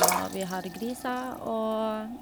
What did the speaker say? Og vi har griser, og...